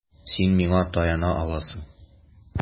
Син миңа таяна аласың.